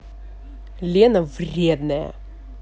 лена вредная